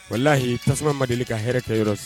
Wala lahi tasuma ma deli ka hɛrɛ kɛ yɔrɔ